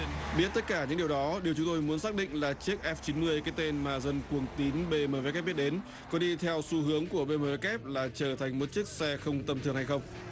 biết tất cả những điều đó điều chúng tôi muốn xác định là chiếc ép chín mươi cái tên mà dân cuồng tín bê mờ vê kép biết đến có đi theo xu hướng của bê mờ vê kép là trở thành một chiếc xe không tầm thường hay không